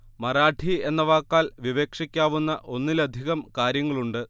മറാഠി എന്ന വാക്കാൽ വിവക്ഷിക്കാവുന്ന ഒന്നിലധികം കാര്യങ്ങളുണ്ട്